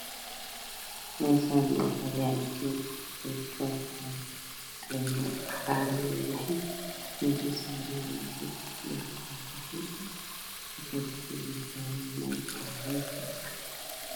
Mashan waxaa yalo geed waxow leyahay calema cagar